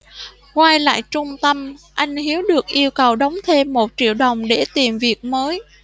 quay lại trung tâm anh hiếu được yêu cầu đóng thêm một triệu đồng để tìm việc mới